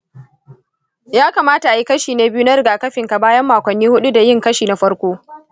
ya kamata a yi kashi na biyu na rigakafinka bayan makonni huɗu da yin kashi na farko.